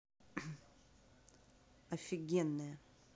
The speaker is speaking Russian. офигенная